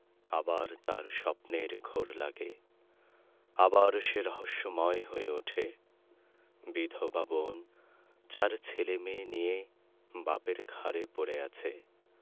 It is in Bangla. আবার তার স্বপ্নের ঘোর লাগে আবার সে রহস্যময় হয়ে উঠে বিধবা বোন চার ছেলেমেয়ে নিয়ে বাপের ঘাড়ে পরে আছে